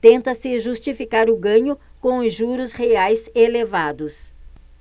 tenta-se justificar o ganho com os juros reais elevados